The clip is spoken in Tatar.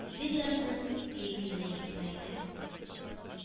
Идел ярының биеклегенә игътибар итә